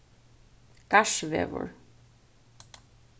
garðsvegur